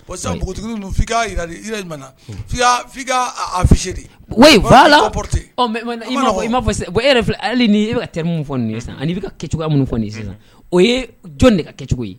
Bon sisan npogotigini ninnu f'i k'a yira de i yɛrɛ ɲumanna f'i k'a f'i k'aa a afficher de oui voilà ɔ mais maintenant i m'a fɔ i m'a fɔ sisan bon e yɛrɛ filɛ ali n'i e be ka terme mun fɔ nin ye sisan an'i be ka kɛcogoya munnun fɔ nin ye sisan unhun o yee jɔn de ka kɛcogo ye